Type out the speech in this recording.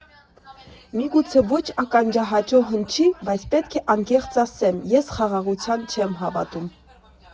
Միգուցե ոչ ականջահաճո հնչի, բայց պետք է անկեղծ ասեմ, ես խաղաղությանը չեմ հավատում։